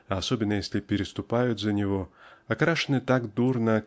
а особенно если переступают за него окрашены так дурно